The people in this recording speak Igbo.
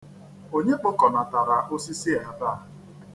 Onye kpokọnatara osisi a ebe a?